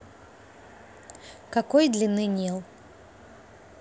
какой длины нил